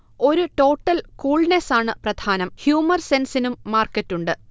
ഒരു ടോട്ടൽ കൂൾനെസ്സാണ് പ്രധാനം ഹ്യൂമർ സെൻസിനും മാർക്കറ്റുണ്ട്